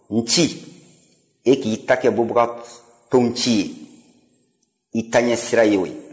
nci e k'i ta kɛ bubaga nton ci ye i taɲɛsira ye o ye